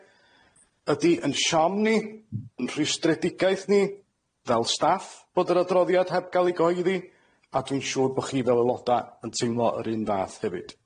ydi 'yn siom ni, 'yn rhwystredigaeth ni, fel staff bod yr adroddiad heb ga'l ei gyhoeddi, a dwi'n siŵr bo' chi fel aeloda yn teimlo yr un fath hefyd.